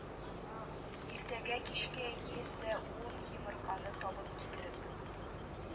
– иртәгә кичкә йөз дә ун йомырканы табып китереп